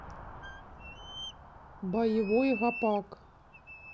боевой гопак